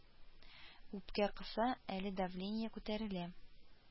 Үпкә кыса, әле дәвление күтәрелә